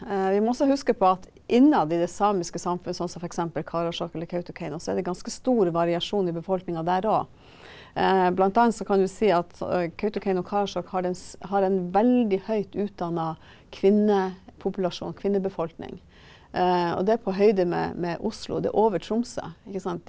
vi må også huske på at innad i det samiske samfunnet, sånn som f.eks. Karasjok eller Kautokeino, så er det ganske stor variasjon i befolkninga der, og bl.a. så kan du si at Kautokeino og Karasjok har den har en veldig høyt utdanna kvinnepopulasjon, kvinnebefolkning, og det er på høyde med med Oslo, og det er over Tromsø ikke sant.